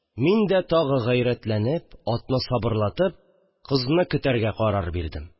Мин дә тагы гайрәтләнеп, атны сабырлатып, кызны көтәргә карар бирдем